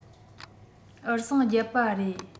འུར ཟིང བརྒྱབ པ རེད